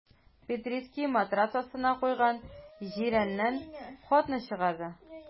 Петрицкий матрац астына куйган җирәннән хатны чыгарды.